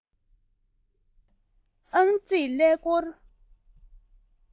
ཁྱོད ཁྱོད ཁྱོད ཨང རྩིས ཀླད ཀོར